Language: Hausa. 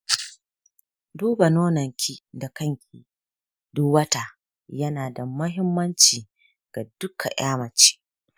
duba nononki da kanki duk wata yana da muhimmanci ga duka ya mace.